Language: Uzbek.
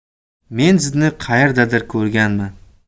men sizni qayerdadir ko'rganman